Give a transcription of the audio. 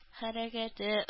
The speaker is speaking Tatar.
Хәрәкәте